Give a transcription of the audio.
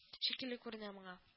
Шикелле күренә моңа